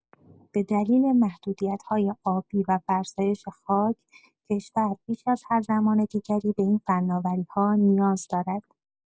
به دلیل محدودیت‌های آبی و فرسایش خاک، کشور بیش از هر زمان دیگری به این فناوری‌ها نیاز دارد.